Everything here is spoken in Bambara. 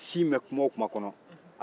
n'i ye si mɛn kuma o kuma kɔnɔ